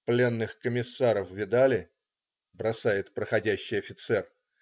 "Пленных комиссаров видали?" - бросает проходящий офицер.